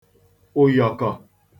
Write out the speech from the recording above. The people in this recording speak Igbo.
ụyọ̀kọ̀